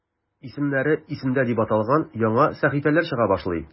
"исемнәре – исемдә" дип аталган яңа сәхифәләр чыга башлый.